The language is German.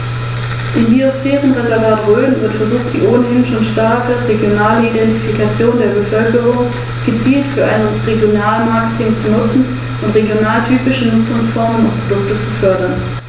Rom wurde damit zur ‚De-Facto-Vormacht‘ im östlichen Mittelmeerraum.